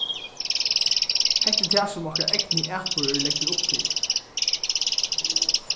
hetta er tað sum okkara egni atburður leggur upp til